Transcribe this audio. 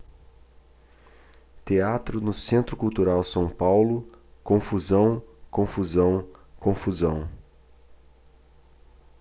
teatro no centro cultural são paulo confusão confusão confusão